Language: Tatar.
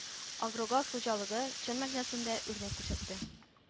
Агрогалс хуҗалыгы, чын мәгънәсендә, үрнәк күрсәтте